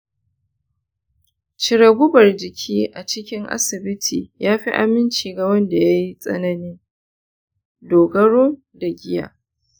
cire gubar jiki a cikin asibiti ya fi aminci ga wanda ya yi tsananin dogaro da giya.